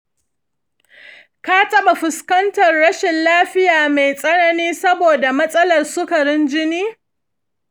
ka taɓa fuskantar rashin lafiya mai tsanani saboda matsalar sukarin jini?